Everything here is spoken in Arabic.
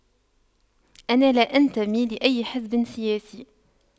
أنا لا أنتمي لأي حزب سياسي